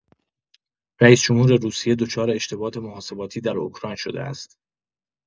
رییس‌جمهور روسیه دچار اشتباه محاسباتی در اوکراین شده است.